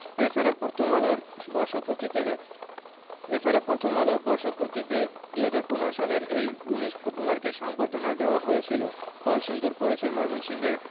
এ ছাড়া প্রথম আলোর বর্ষপূর্তিতে ২০১৫ সালে এই ১৯ ফুটবলারকে সংবর্ধনা দেওয়া হয়েছিল কলসিন্দুর পড়েছে ময়মনসিংহের